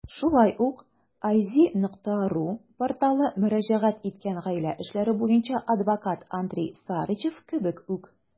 Шулай ук iz.ru порталы мөрәҗәгать иткән гаилә эшләре буенча адвокат Андрей Сарычев кебек үк.